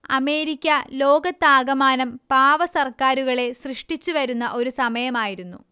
America ലോകത്താകമാനം പാവ സർക്കാരുകളെ സൃഷ്ടിച്ചു വരുന്ന ഒരു സമയമായിരുന്നു